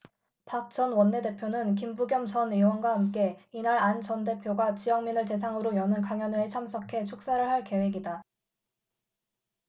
박 전 원내대표는 김부겸 전 의원과 함께 이날 안 전 대표가 지역민을 대상으로 여는 강연회에 참석해 축사를 할 계획이다